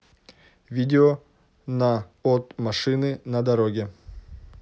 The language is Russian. видео на от машины на дороге